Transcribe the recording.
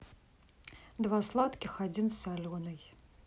два сладких один соленый